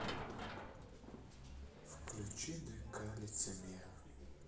включи дк лицемер